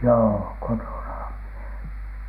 joo kotonahan minä